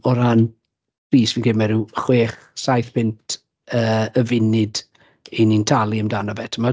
o ran fees fi'n credu mai ryw chwech saith punt yy y funud 'y ni'n talu amdano fe timod.